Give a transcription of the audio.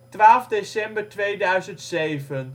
12 december 2007